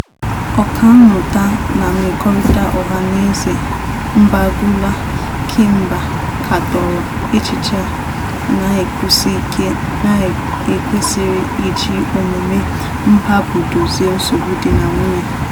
Ọka mmụta na mmekọrịta ọhanaeze Mbangula Kemba katọrọ echiche a, na-ekwusi ike na e kwesịghị iji omume mkpagbu dozie nsogbu di na nwunye.